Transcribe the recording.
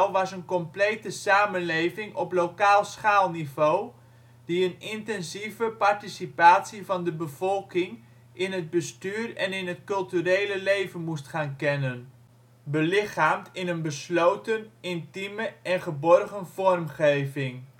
was een complete samenleving op lokaal schaalniveau, die een intensieve participatie van de bevolking in het bestuur en in het culturele leven moest gaan kennen, belichaamd in een besloten, intieme en geborgen vormgeving